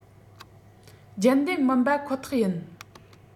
རྒྱུན ལྡན མིན པ ཁོ ཐག ཡིན